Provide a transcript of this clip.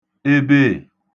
ebe è